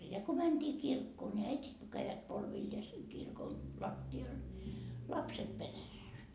ja kun mentiin kirkkoon niin äidit kun kävivät polvilleen kirkon lattialle lapset perässä